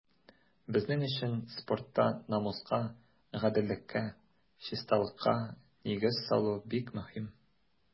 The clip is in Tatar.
Безнең өчен спортта намуска, гаделлеккә, чисталыкка нигез салу бик мөһим.